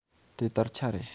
དེ དར ཆ རེད